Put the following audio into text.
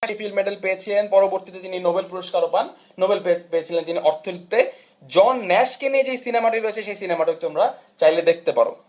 field medal' পদক পেয়েছিলেন পরবর্তীতে তিনি নোবেল পুরস্কার পান নোবেল পেয়েছিলেন তিনি অর্থনীতিতে জন ন্যাশ কে নিয়ে যে সিনেমাটি রয়েছে সেই সিনেমাটি ও তোমরা চাইলে দেখতে পারো